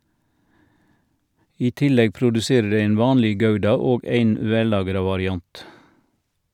I tillegg produserer dei ein vanleg gouda, og ein vellagra variant.